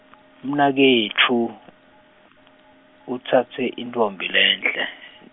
umnaketfu, utsatse intfombi lenhle.